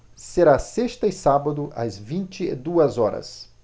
será sexta e sábado às vinte e duas horas